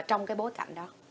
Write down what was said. trong cái bối cảnh đó